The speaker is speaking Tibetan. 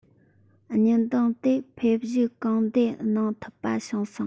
སྙུན གདངས ཏེ ཕེབས བཞུགས གང བདེ གནང ཐུབ པ བྱུང སོང